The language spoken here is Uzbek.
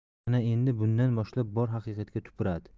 ana endi bugundan boshlab bor haqiqatga tupuradi